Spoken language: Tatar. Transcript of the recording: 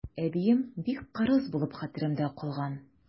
Әбием бик кырыс булып хәтеремдә калган.